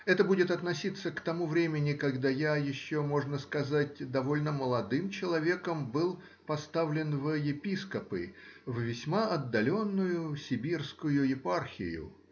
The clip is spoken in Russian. это будет относиться к тому времени, когда я еще, можно сказать довольно молодым человеком, был поставлен во епископы, в весьма отдаленную сибирскую епархию.